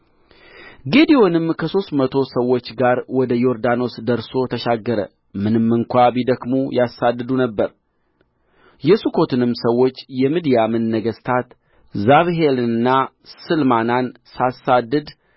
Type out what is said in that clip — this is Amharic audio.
ጌዴዎንም ከሦስቱ መቶ ሰዎች ጋር ወደ ዮርዳኖስ ደርሶ ተሻገረ ምንም እንኳ ቢደክሙ ያሳድዱ ነበር የሱኮትንም ሰዎች የምድያምን ነገሥታት ዛብሄልንና ስልማናን ሳሳድድ